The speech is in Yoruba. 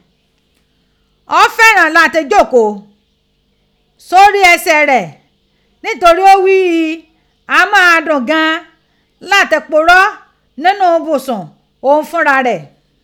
Ó fẹ́ràn láti jókòó sórí ẹsẹ̀ rẹ̀ ntorí ó ghi ghi a máa dùn ún gan an láti purọ́ nínú ibùsùn òun fúnra rẹ̀.